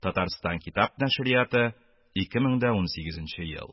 Татарстан китап нәшрияты, 2018 ел